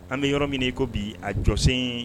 An bɛ yɔrɔ min ko bi a jɔsen